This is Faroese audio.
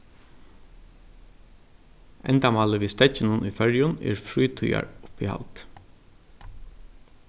endamálið við steðginum í føroyum er frítíðaruppihald